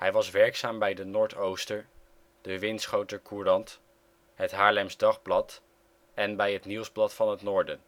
was werkzaam bij de Noord-Ooster, de Winschoter Courant, het Haarlems Dagblad en bij het Nieuwsblad van het Noorden